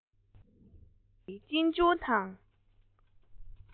སྒྲ ཡིན ཉམས ཀྱིས གཅེན གཅུང དང